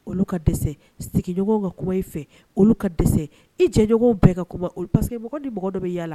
Olu ka dɛsɛ, sigiɲɔgɔnw ka kuma i fɛ, olu ka dɛsɛ, i jɛɲɔgɔnw bɛɛ ka kuma parce que mɔgɔ ni mɔgɔ dɔ bɛ yala la